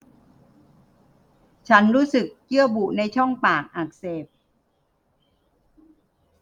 ฉันรู้สึกเยื่อบุในช่องปากอักเสบ